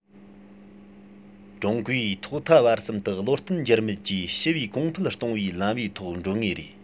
ང ཚོས འགལ བ དེ ཚོ དུས ཐོག ཏུ མཐོང ཐུབ པ དང ཁྱད བསད བྱ དགོས